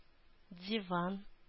Диван